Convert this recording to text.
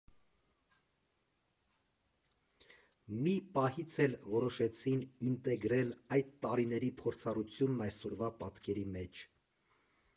Մի պահից էլ որոշեցին ինտեգրել այդ տարիների փորձառությունն այսօրվա պատկերի մեջ։